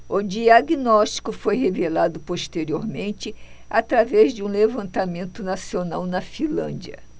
o diagnóstico foi revelado posteriormente através de um levantamento nacional na finlândia